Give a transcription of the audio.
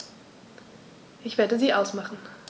Ich werde sie ausmachen.